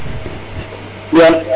*